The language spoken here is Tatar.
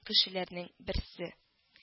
Кешеләрнең берсе